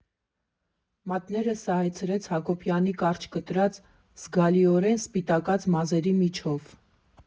Մատները սահեցրեց Հակոբյանի կարճ կտրած, զգալիորեն սպիտակած մազերի միջով։